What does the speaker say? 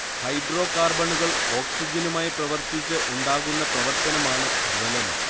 ഹൈഡ്രോകാർബണുകൾ ഓക്സിജനുമായി പ്രവർത്തിച്ച് ഉണ്ടാകുന്ന പ്രവർത്തനമാണ് ജ്വലനം